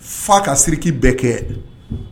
Fa ka siriki bɛɛ kɛ